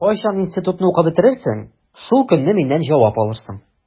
Кайчан институтны укып бетерерсең, шул көнне миннән җавап алырсың.